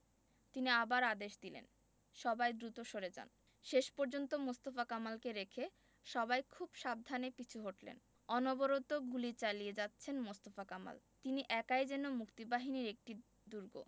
তিনি আবার আদেশ দিলেন সবাই দ্রুত সরে যান শেষ পর্যন্ত মোস্তফা কামালকে রেখে সবাই খুব সাবধানে পিছু হটলেন অনবরত গুলি চালিয়ে যাচ্ছেন মোস্তফা কামাল তিনি একাই যেন মুক্তিবাহিনীর একটা দুর্গ